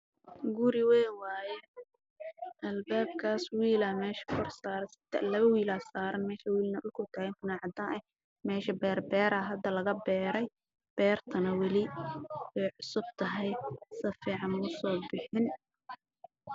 Waa guri midabkiisii yahay caddaan ah